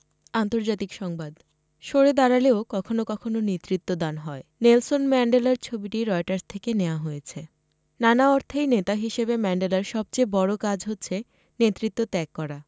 আন্তর্জাতিক সংবাদ সরে দাঁড়ালেও কখনো কখনো নেতৃত্বদান হয় নেলসন ম্যান্ডেলার ছবিটি রয়টার্স থেকে নেয়া হয়েছে নানা অর্থেই নেতা হিসেবে ম্যান্ডেলার সবচেয়ে বড় কাজ হচ্ছে নেতৃত্ব ত্যাগ করা